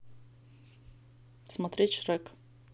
смотреть шрек